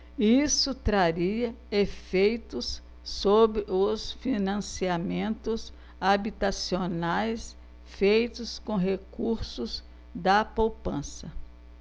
isso traria efeitos sobre os financiamentos habitacionais feitos com recursos da poupança